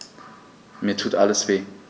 Mir tut alles weh.